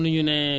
ah